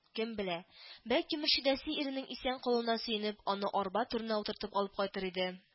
Кем белә, бәлки Мөршидәсе иренең исән калуына сөенеп, аны арба түренә утыртып алып кайтыр иде